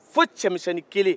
fo cɛmisɛnnin kelen